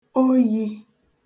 oyī